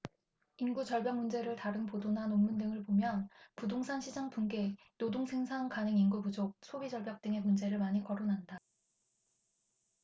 인구절벽 문제를 다룬 보도나 논문 등을 보면 부동산시장 붕괴 노동생산 가능인구 부족 소비절벽 등의 문제를 많이 거론한다